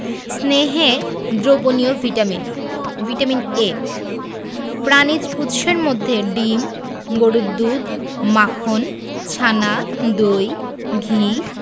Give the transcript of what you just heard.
স্নেহে দ্রবণীয় vitamin vitamin A প্রাণিজ উৎসের মধ্যে ডিম গরুর দুধ মাখন ছানা দই ঘি